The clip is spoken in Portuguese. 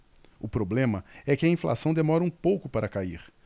o problema é que a inflação demora um pouco para cair